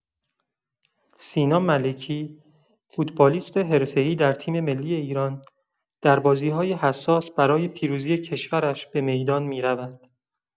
سینا ملکی، فوتبالیست حرفه‌ای در تیم‌ملی ایران، در بازی‌های حساس برای پیروزی کشورش به میدان می‌رود.